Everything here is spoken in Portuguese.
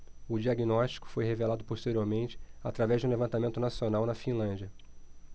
o diagnóstico foi revelado posteriormente através de um levantamento nacional na finlândia